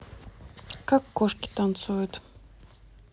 как кошки танцуют